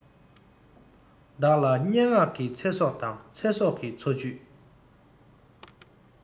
བདག ལ སྙན ངག གི ཚེ སྲོག དང ཚེ སྲོག གི འཚོ བཅུད